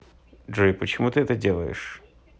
джой почему ты это делаешь